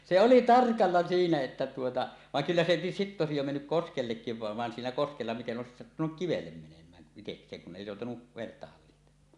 se oli tarkasti siinä että tuota vaan kyllä se sitten olisi jo mennyt koskellekin vain vaan siinä koskella miten olisi sattunut kivelle menemään itsekseen kun ei joutanut venettä hallitsemaan